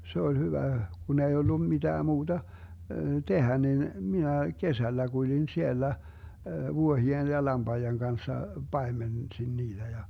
se oli hyvä kun ei ollut mitään muuta tehdä niin minä kesällä kuljin siellä vuohien ja lampaiden kanssa paimensin niitä ja